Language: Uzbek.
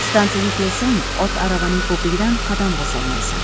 stansiyaga kelsang ot aravaning ko'pligidan qadam bosolmaysan